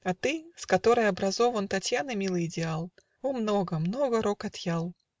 А та, с которой образован Татьяны милый идеал. О много, много рок отъял!